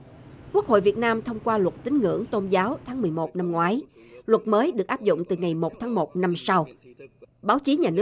quốc hội việt nam thông qua luật tín ngưỡng tôn giáo tháng mười một năm ngoái luật mới được áp dụng từ ngày một tháng một năm sau báo chí nhà nước